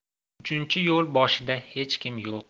uchinchi yo'l boshida xech kim yo'q